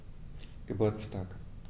Geburtstag